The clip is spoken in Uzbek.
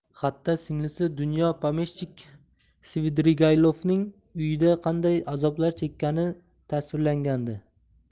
xatda singlisi dunya pomeshchik svidrigaylovning uyida qanday azoblar chekkani tasvirlangandi